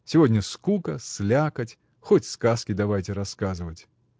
Сегодня скука, слякоть — хоть сказки давайте сказывать!